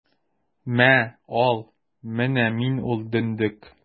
Мә, ал, менә мин ул дөндек!